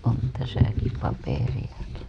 on tässäkin paperiakin